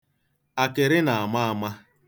Akịrị na-ama ama.